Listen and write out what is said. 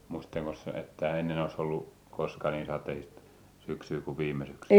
muistattekos että ennen olisi ollut koskaan niin sateista syksy kuin viime syksy